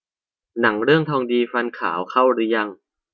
หนังเรื่องทองดีฟันขาวเข้ารึยัง